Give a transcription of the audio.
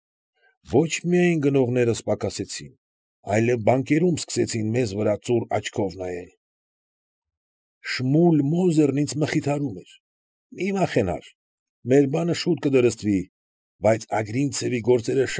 Ոչ միայն գնողներս պակասեցին, այլև բանկերում սկսեցին մեզ վրա ծուռ աչքով նայել… Շմուլ Մոզերն ինձ մխիթարում էր. ֊ Մի՛ վախենար, մեր բանը շուտ կդրստվի, բայց Ագրինցևի գործերը։